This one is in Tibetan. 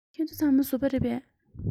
ཁྱེད ཚོ ཚང མ བཟོ པ རེད པས